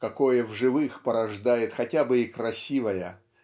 какое в живых порождает хотя бы и красивая